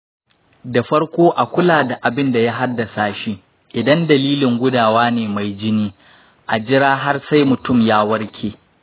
da farko a kula da abin da ya haddasa shi. idan dalilin gudawa ne mai jini, a jira har sai mutum ya warke.